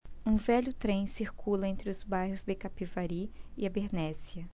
um velho trem circula entre os bairros de capivari e abernéssia